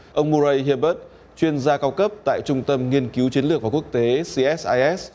ông mu rây hia bớt chuyên gia cao cấp tại trung tâm nghiên cứu chiến lược và quốc tế xi ét ai ét